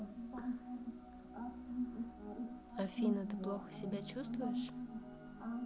афина ты плохо себя чувствуешь